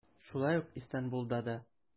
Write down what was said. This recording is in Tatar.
Шулай ук Истанбулда да.